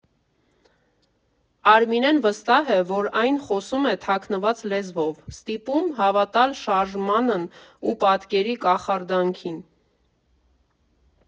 Արմինեն վստահ է, որ այն խոսում է թաքնված լեզվով՝ ստիպում հավատալ շարժմանն ու պատկերի կախարդանքին։